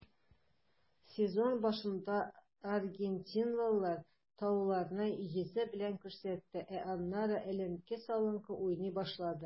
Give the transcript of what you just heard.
Сезон башында аргентинлылар тауарны йөзе белән күрсәтте, ә аннары эленке-салынкы уйный башлады.